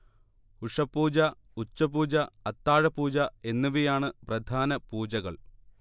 ഉഷഃപൂജ, ഉച്ചപൂജ, അത്താഴപൂജ എന്നിവയാണ് പ്രധാന പൂജകൾ